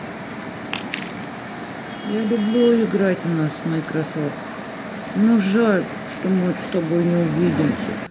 я люблю играть в нас minecraft но жальчто мы с тобой не увидимся